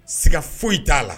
Siga foyi t'a la